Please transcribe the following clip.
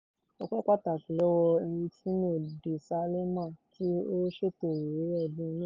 Ọpẹ́ pàtàkì lọ́wọ́ Ericino de Salema tí ó ṣètò ìwé ẹ̀dùn náà.